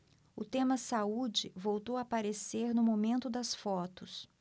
o tema saúde voltou a aparecer no momento das fotos